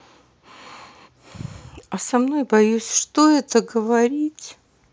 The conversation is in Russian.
а со мной боюсь что это говорить